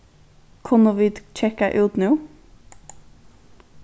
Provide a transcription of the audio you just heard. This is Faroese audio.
kunnu vit kekka út nú